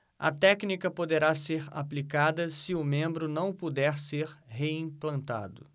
a técnica poderá ser aplicada se o membro não puder ser reimplantado